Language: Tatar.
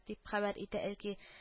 Дип хәбәр итә әлки